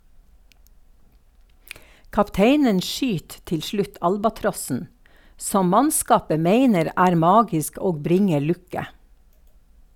Kapteinen skyt til slutt albatrossen, som mannskapet meiner er magisk og bringer lukke.